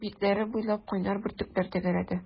Битләре буйлап кайнар бөртекләр тәгәрәде.